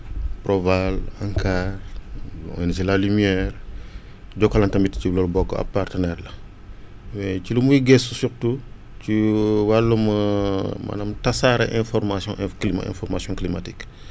PROVAL ANCAR ONG LA Lumière Jokalante tamit si la bokk ab partenaire la et ci li muy gëstu surtout ci wàllum maanaam tasaare information inf climat information climatique